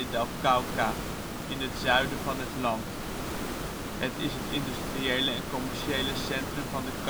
del Cauca in het zuiden van het land. Het is het industriële en commerciële centrum van de